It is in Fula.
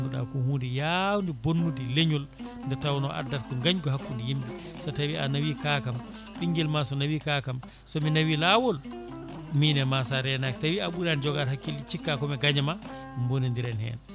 ganduɗa ko hunde yawde bonnude leeñol nde tawno addata ko gañgu hakkude yimɓe so tawi a naawi kaakam ɓinguelma so naawi kaakam somi naawi lawol min e ma sa reenaki so tawi a ɓuurani jogade hakkille cikka komi gaañoma bonodiren hen